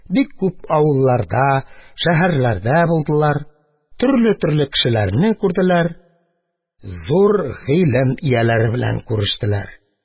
Бик күп авылларда, шәһәрләрдә булдылар, төрле-төрле кешеләрне күрделәр, зур гыйлем ияләре белән күрештеләр.